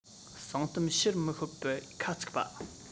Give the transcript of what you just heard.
གསང གཏམ ཕྱིར མི ཤོད པའི ཁ ཚུགས པ